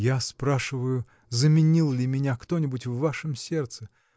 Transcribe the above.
– Я спрашиваю: заменил ли меня кто-нибудь в вашем сердце?